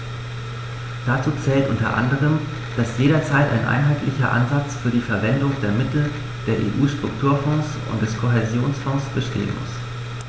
Dazu zählt u. a., dass jederzeit ein einheitlicher Ansatz für die Verwendung der Mittel der EU-Strukturfonds und des Kohäsionsfonds bestehen muss.